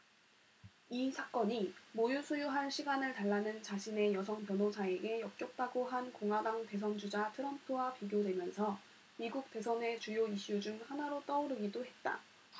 이 사건이 모유 수유할 시간을 달라는 자신의 여성 변호사에게 역겹다고 한 공화당 대선 주자 트럼프와 비교되면서 미국 대선의 주요 이슈 중 하나로 떠오르기도 했다